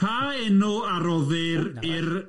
Pa enw aroddir i'r… Na, na.